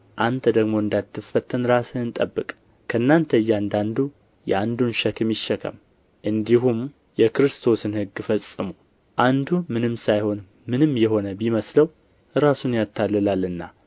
አንተ ደግሞ እንዳትፈተን ራስህን ጠብቅ ከእናንተ እያንዳንዱ የአንዱን ሸክም ይሸከም እንዲሁም የክርስቶስን ሕግ ፈጽሙ አንዱ ምንም ሳይሆን ምንም የሆነ ቢመስለው ራሱን ያታልላልና